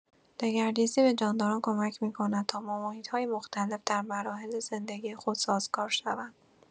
دگردیسی به جانداران کمک می‌کند تا با محیط‌های مختلف در مراحل زندگی خود سازگار شوند.